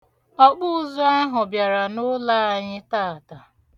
Ọkpụụzụ ahụ bịara n'ụlọ anyị taata.